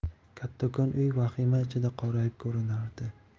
kattakon uy vahima ichida qorayib ko'rinardi